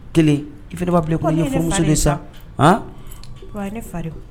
Kelen i fana b'a bila sa